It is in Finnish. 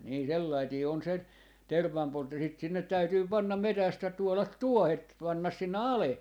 niin sellainen on se tervanpoltto sitten sinne täytyy panna metsästä tuoda tuohet panna sinne alle